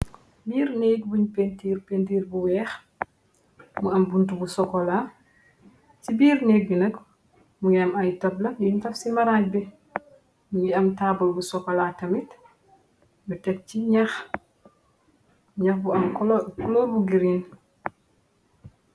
Biir néeg buñ pentir pentir bu weex mu am buntu bu sokola ci biir neg bi nag mu ngi am ay tabla yuntaf ci maraaj bi mu ngi am taabal bu sokola tamit lu teg ci ñax ñax bu am kuloor bu green.